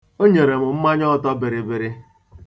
O nyere m mmanya ọtọbịrịbịrị.